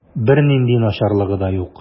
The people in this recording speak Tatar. Бернинди начарлыгы да юк.